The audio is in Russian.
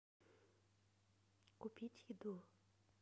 купить еду